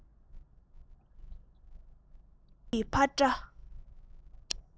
སྙིང གི འཕར སྒྲ